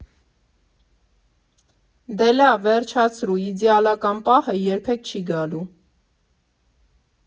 Դե լավ, վերջացրու, իդեալական պահը երբեք չի գալու։